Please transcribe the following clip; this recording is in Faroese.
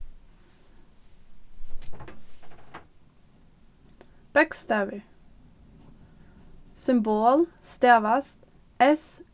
bókstavir symbol stavast s